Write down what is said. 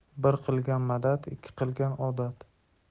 bir qilgan madad ikki qilgan odat